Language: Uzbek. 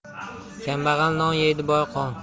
kambag'al non yeydi boy qon